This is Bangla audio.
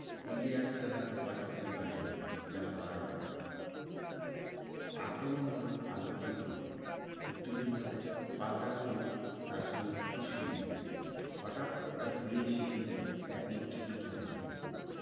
এগিয়ে আসতে লাগল পাকিস্তানি বাহিনী বেলা বারোটা আক্রমণ হলো আরও তীব্র মুক্তিযোদ্ধাদের পাল্টা গুলি তার সামনে কিছুই না হতাৎ একটা গুলি এসে বিঁধল এক মুক্তিযোদ্ধার বুকে